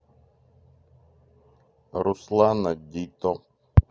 руслана дито